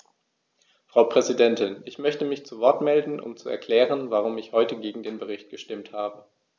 Frau Präsidentin, ich möchte mich zu Wort melden, um zu erklären, warum ich heute gegen den Bericht gestimmt habe.